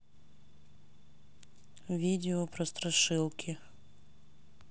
видео про страшилки